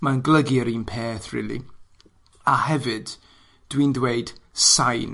Ma'n golygu'r un peth rili, a hefyd, dwi'n dweud sai'n